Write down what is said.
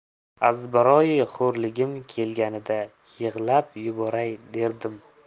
azbaroyi xo'rligim kelganidan yig'lab yuboray derdim